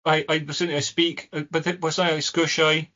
I I... Certaintly I speak, sgyrsiau.